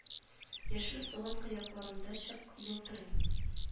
Яшел суган кыякларында чык елтырый